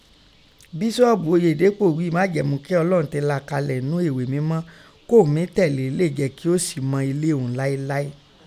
Biṣọọbu Oyedepo ghí i majẹmu kí Ọlọun ti la kalẹ ńnu eghé mimọ k'oun mí tẹle le jẹ ki osi mọ ile òun láéláé.